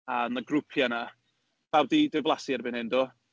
A oedd 'na grwpiau yna. Pawb 'di diflasu erbyn hyn, do?